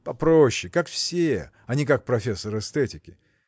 – Попроще, как все, а не как профессор эстетики.